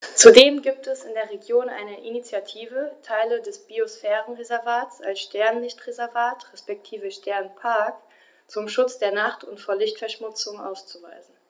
Zudem gibt es in der Region eine Initiative, Teile des Biosphärenreservats als Sternenlicht-Reservat respektive Sternenpark zum Schutz der Nacht und vor Lichtverschmutzung auszuweisen.